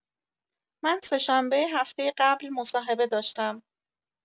من سه‌شنبه هفته قبل مصاحبه داشتم.